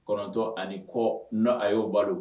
Kɔnɔntɔn ani kɔ nɔ a y'o balo